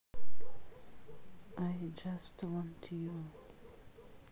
ай джаст вонт ю